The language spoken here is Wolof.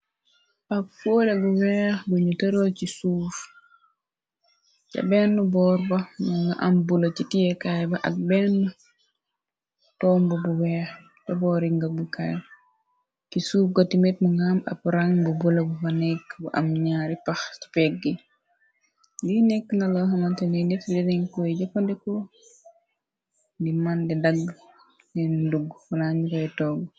Ab poole gu weex buñu tëraol ci suuf ca benn boorba na nga am bula ci tiyekaay ba ak benn tomb bu weex te boori nga bu kaay ci suuf go timet mu nga am ab rang bu bulabu fa nekk bu am ñaari pax speg gi gi nekk na la amonte ni nit rearing koy jëpkandiko di man de dagg leenu ndugg wrañ koy togg.